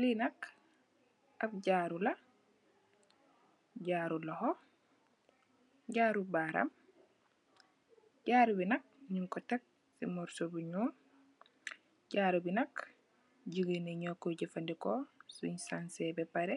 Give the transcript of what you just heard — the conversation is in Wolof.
Li nak ab jaru la, jaru loxo, jaru baram, jaru bi nak ñung ko tek si morso bu ñul. Jaru bi nak jigéen ño koy jafandeko suñ sanseh ba paré,